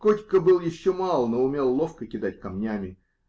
Котька был еще мал, но умел ловко кидать камнями.